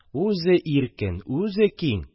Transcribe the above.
Үзе иркен, үзе киң!